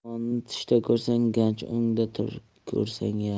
ilonni tushda ko'rsang ganj o'ngda ko'rsang yanch